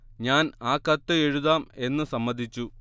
ഞാൻ ആ കത്ത് എഴുതാം എന്ന് സമ്മതിച്ചു